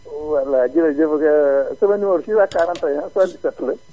voilà jërëjëf sama numéro 641 77 la